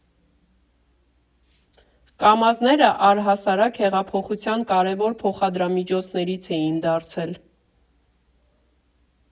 Կամազները առհասարակ հեղափոխության կարևոր փոխադրամիջոցներից էին դարձել.